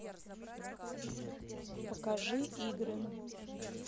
покажи игры